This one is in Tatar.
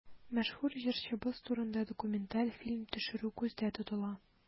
Мәшһүр җырчыбыз турында документаль фильм төшерү күздә тотыла.